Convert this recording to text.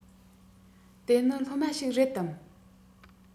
དེ ནི སློབ མ ཞིག རེད དམ